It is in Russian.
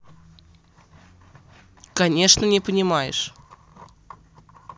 конечно не понимаешь